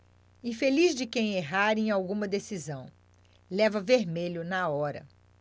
infeliz de quem errar em alguma decisão leva vermelho na hora